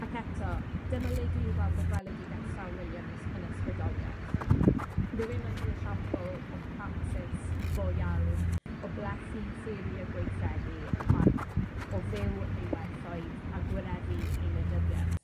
Ac eto, dyma le dwi'n gweld bo' gweledigeth Sel Williams yn ysbrydolieth, rywun naeth yn esiampl o practis go iawn o blethu theori a gweithredu, ag o fyw ei werthoedd a gwireddu ei wleidyddieth.